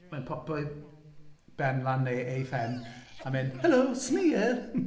Mae'n popio'i ben lan neu ei phen a mynd "Hello smear!" .